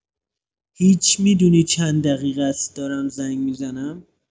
هیچ می‌دونی چند دقیقه است دارم زنگ می‌زنم؟